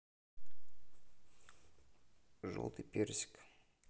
желтый персик